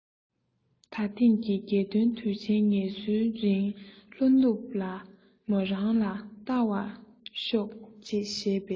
ད ཐེངས ཀྱི རྒྱལ སྟོན དུས ཆེན གྱི ངལ གསོའི རིང ལྷོ ནུབ ལ མོ རང ལ བལྟ བར ཤོག ཅེས བྱས པས